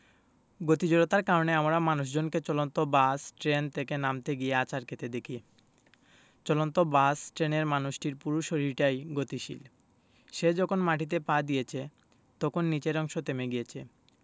গতি জড়তার কারণে আমরা মানুষজনকে চলন্ত বাস ট্রেন থেকে নামতে গিয়ে আছাড় খেতে দেখি চলন্ত বাস ট্রেনের মানুষটির পুরো শরীরটাই গতিশীল সে যখন মাটিতে পা দিয়েছে তখন নিচের অংশ থেমে গিয়েছে